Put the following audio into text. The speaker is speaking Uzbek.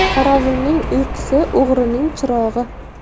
qorovulning uyqusi o'g'rining chirog'i